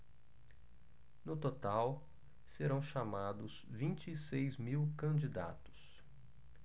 no total serão chamados vinte e seis mil candidatos